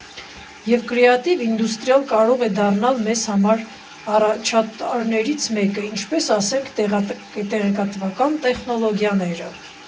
Եվ կրեատիվ իդնուստրիան կարող է դառնալ մեզ համար առաջատարներից մեկը, ինչպես, ասենք, տեղեկատվական տեխնոլոգիաները։